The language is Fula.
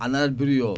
a nanat bruit o